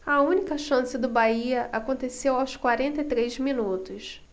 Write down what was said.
a única chance do bahia aconteceu aos quarenta e três minutos